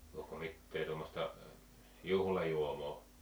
onko mitään tuommoista juhlajuomaa